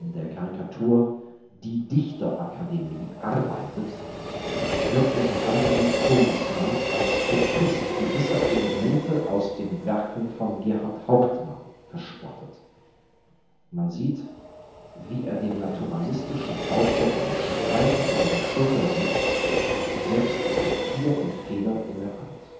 der Karikatur Die Dichterakademie arbeitet wird unter anderem Thomas Mann als Kopist gewisser Elemente aus den Werken von Gerhart Hauptmann verspottet: Man sieht, wie er dem naturalistischen Autor beim Schreiben über die Schulter sieht, selbst Papier und Feder in der Hand